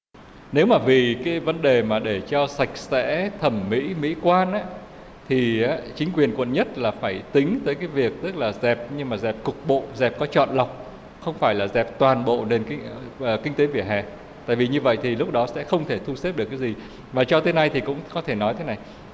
nếu mà vì cái vấn đề mà để cho sạch sẽ thẩm mĩ mĩ quan thì chính quyền quận nhất là phải tính tới việc việc tức là dẹp nhưng dẹp cục bộ dẹp có chọn lọc không phải là dẹp toàn bộ nền kinh kinh tế vỉa hè tại vì như vậy thì lúc đó sẽ không thể thu xếp được cái gì mà cho tới nay thì cũng có thể nói thế này